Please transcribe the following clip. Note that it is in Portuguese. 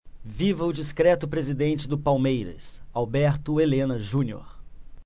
viva o discreto presidente do palmeiras alberto helena junior